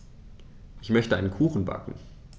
Ich möchte einen Kuchen backen.